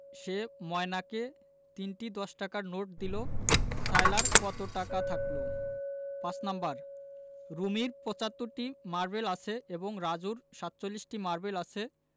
সে ময়নাকে ৩টি দশ টাকার নোট দিল সায়লার কত টাকা থাকল ৫ নাম্বার রুমির ৭৫টি মারবেল আছে এবং রাজুর ৪৭টি মারবেল আছে